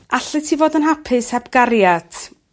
Allet ti fod yn hapus heb gariad?